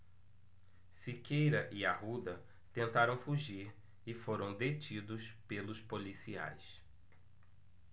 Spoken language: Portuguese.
siqueira e arruda tentaram fugir e foram detidos pelos policiais